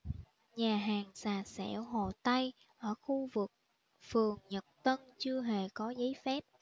nhà hàng xà xẻo hồ tây ở khu vực phường nhật tân chưa hề có giấy phép